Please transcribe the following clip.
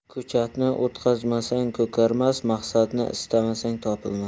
ko'chatni o'tqazmasang ko'karmas maqsadni istamasang topilmas